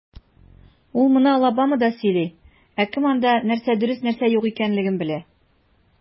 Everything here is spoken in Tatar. Ул моны Алабамада сөйли, ә кем анда, нәрсә дөрес, ә нәрсә юк икәнлеген белә?